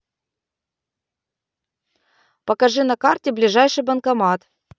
покажи на карте ближайший банкомат